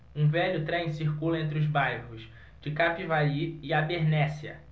um velho trem circula entre os bairros de capivari e abernéssia